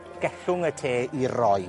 ...gellwng y te i roi.